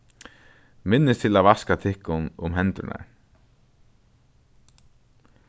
minnist til at vaska tykkum um hendurnar